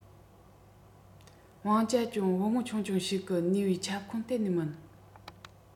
བང ཅ ཅོན བུ མོ ཆུང ཆུང ཞིག གི ནུས པའི ཁྱབ ཁོངས གཏན ནས མིན